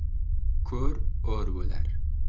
ko'r o'r bo'lar